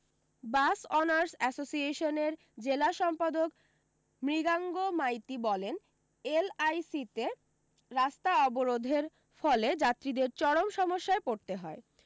বাস owners আসোসিয়েশনের জেলা সম্পাদক মৃগাঙ্ক মাইতি বলেন এল আই সিতে রাস্তা অবরোধের ফলে যাত্রীদের চরম সমস্যায় পড়তে হয়